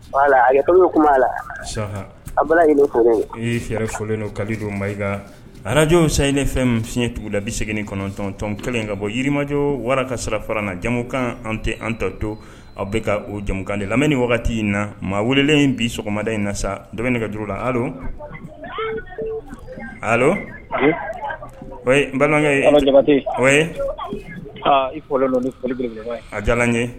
Sa i yɛrɛlen don kadonba arajw sa ye ne fɛn min fiɲɛɲɛ tugu la bɛ segin kɔnɔntɔntɔnon kelen in ka bɔ jirimajɔ wara ka sira farana jamu kan an tɛ an ta to aw bɛ ka o jɔnkan de lamɛn ni wagati in na maa welelen in bi sɔgɔmada in na sa dɔ ne ka juruuru la a bamanankɛ a diyara n ye